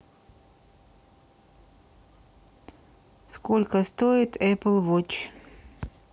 сколько стоит apple watch